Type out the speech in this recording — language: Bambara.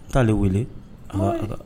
N t taaale wele a